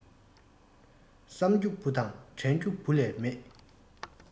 བསམ རྒྱུ བུ དང དྲན རྒྱུ བུ ལས མེད